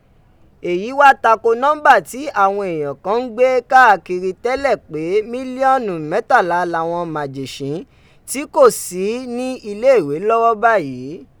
Eyi wa tako nọmba ti awọn eeyan kan n gbe kaakiri tẹlẹ pe miliọnu mẹtala lawọn majeṣin ti ko si ni ileewe lọwọ bayii.